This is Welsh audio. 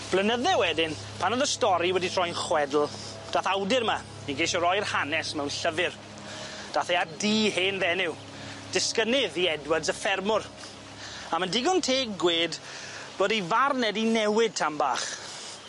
Blynydde wedyn pan o'dd y stori wedi troi'n chwedl dath awdur 'ma i gesio roi'r hanes mewn llyfyr dath e at dŷ hen fenyw disgynydd i Edwards y ffermwr a ma'n digon teg gwed bod ei farn e 'di newid tam bach.